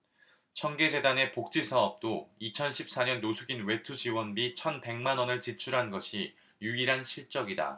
청계재단의 복지사업도 이천 십 사 년 노숙인 외투 지원비 천 백 만원을 지출한 것이 유일한 실적이다